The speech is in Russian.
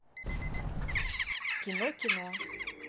кино кино